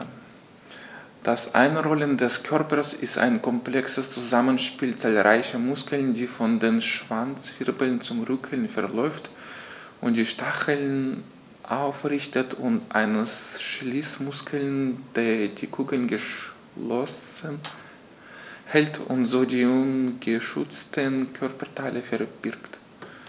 Das Einrollen des Körpers ist ein komplexes Zusammenspiel zahlreicher Muskeln, der von den Schwanzwirbeln zum Rücken verläuft und die Stacheln aufrichtet, und eines Schließmuskels, der die Kugel geschlossen hält und so die ungeschützten Körperteile verbirgt.